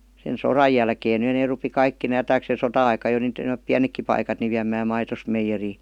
sen sodan jälkeen nyt ne rupesi kaikki nämä - ja sota-aikana jo - on pienetkin paikat niin viemään maitonsa meijeriin